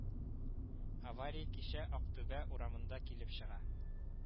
Авария кичә Актүбә урамында килеп чыга